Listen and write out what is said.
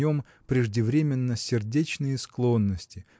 в нем преждевременно сердечные склонности